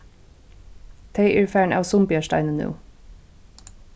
tey eru farin av sumbiarsteini nú